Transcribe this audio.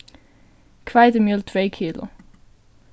hveitimjøl tvey kilo